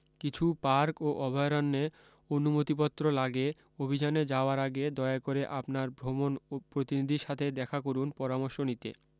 কিছু পার্ক ও অভয়ারন্যে অনুমতিপত্র লাগে অভি্যানে যাওয়ার আগে দয়া করে আপনার ভ্রমণ প্রতিনিধির সাথে দেখা করুণ পরামর্শ নিতে